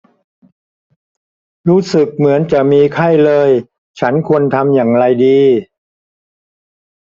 รู้สึกเหมือนจะมีไข้เลยฉันควรทำอย่างไรดี